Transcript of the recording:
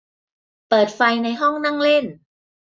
เปิดไฟในห้องนั่งเล่น